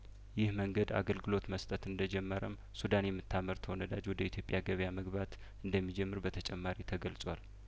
ይህ መንገድ አገልግሎት መስጠት እንደጀመረም ሱዳን የምታ መርተው ነዳጅ ወደ ኢትዮጵያገበያመግባት እንደሚጀምር በተጨማሪ ተገልጿል